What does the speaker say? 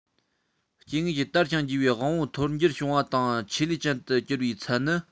སྐྱེ དངོས ཀྱི དར ཞིང རྒྱས པའི དབང པོར ཐོར འགྱུར བྱུང བ དང ཆེད ལས ཅན དུ གྱུར པའི ཚད ནི